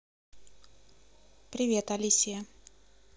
привет алисия